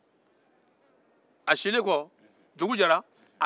dugu jɛra